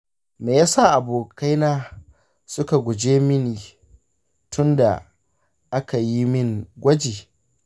me ya sa abokaina suke guje mini tun da aka yi min gwaji?